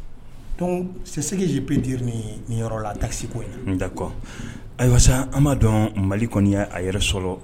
Donc seseji bɛte ni yɔrɔ la a ta seguko yan ayiwa an b' dɔn mali kɔniya a yɛrɛ sɔrɔ